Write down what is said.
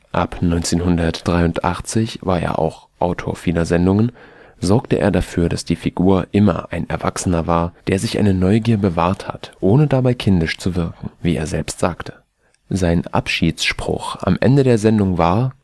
ab 1983 war er auch Autor vieler Sendungen), sorgte er dafür, dass die Figur immer ein Erwachsener war „ der sich eine Neugier bewahrt hat, ohne dabei kindisch zu wirken “, wie er selbst sagte. Sein Abschiedsspruch am Ende der Sendung war